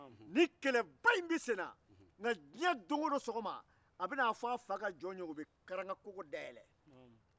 nin kɛlɛba in bɛ sen nka don o don sɔgɔma a bɛ n'a fɔ a ka jɔnw ye u bɛ karangakogo dayɛlɛn